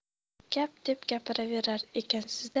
gap deb gapiraverar ekansiz da